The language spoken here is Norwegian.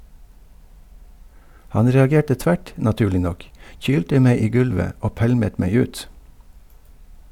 Han reagerte tvert, naturlig nok, kylte meg i gulvet og pælmet meg ut.